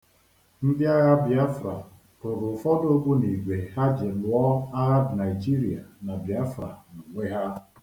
Ndị agha Bịafra rụrụ ụfọdụ ogbunigwe ha ji lụọ agha Naịjirịa na Bịafra n'onwe ha.